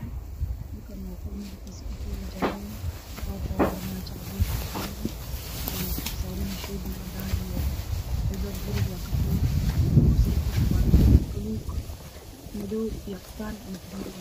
Halkan waa qol wax yaalo armaajo cadaan oo ay kor saaran yihiin shoobin